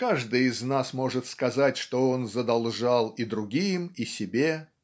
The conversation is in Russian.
Каждый из нас может сказать, что он задолжал и другим, и себе,